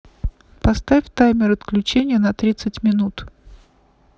поставь таймер отключения на тридцать минут